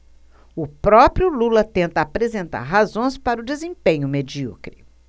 o próprio lula tenta apresentar razões para o desempenho medíocre